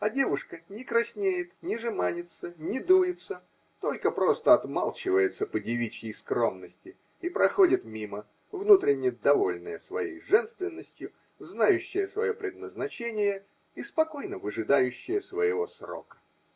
а девушка не краснеет, не жеманится, не дуется, только просто отмалчивается по девичьей скромности и проходит мимо, внутренне довольная своей женственностью, знающая свое предназначение и спокойно выжидающая своего срока.